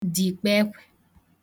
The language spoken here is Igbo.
dì kpẹẹkwe